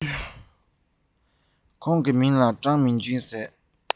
ཁོང གི མཚན ལ ཀྲང མིང ཅུན ཞུ གི ཡོད རེད